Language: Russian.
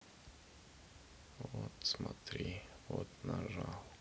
вот смотри вот нажал